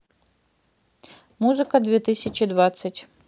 музыку две тысячи двадцать